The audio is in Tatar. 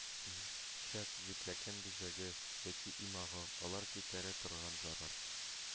Чак, җитлеккән бөҗәк, яки имаго), алар китерә торган зарар